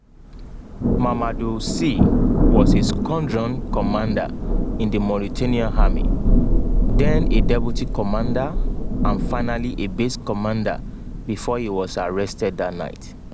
Mamadou Sy was a squadron commander in the Mauritanian army, then a deputy commander and finally a base commander before he was arrested that night.